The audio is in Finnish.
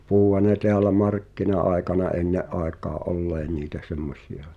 puhuihan ne täällä markkina-aikana ennen aikaan olleen niitä semmoisia